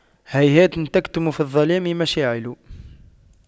هيهات تكتم في الظلام مشاعل